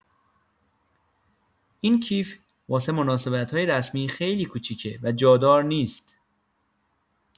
این کیف واسه مناسبت‌های رسمی خیلی کوچیکه و جادار نیست.